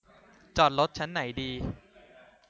จอดรถชั้นไหนดี